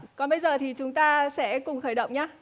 còn bây giờ thì chúng ta sẽ cùng khởi động nhã